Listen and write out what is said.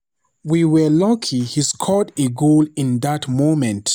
We were lucky he scored a goal in that moment."